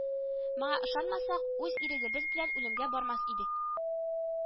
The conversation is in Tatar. Моңа ышанмасак, үз ирегебез белән үлемгә бармас идек